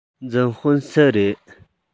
འཛིན དཔོན སུ རེད